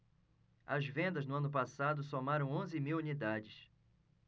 as vendas no ano passado somaram onze mil unidades